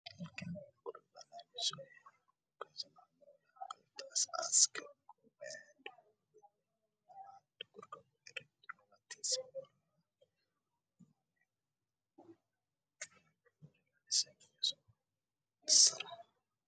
Waa guri dhismo ka socda niman ayaa saaran waana alwaax iyo laga dhisayaa